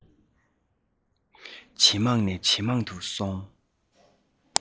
ཇེ མང ནས ཇེ མང དུ སོང